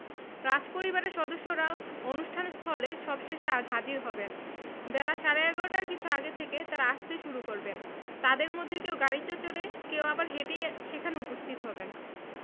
রাজপরিবারের সদস্যরা অনুষ্ঠান স্থলে সবশেষে হাজির হবেন বেলা সাড়ে ১১টার কিছু আগে থেকে তাঁরা আসতে শুরু করবেন তাঁদের মধ্যে কেউ গাড়িতে চড়ে কেউ আবার হেঁটেই সেখানে উপস্থিত হবেন